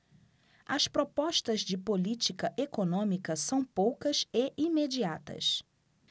as propostas de política econômica são poucas e imediatas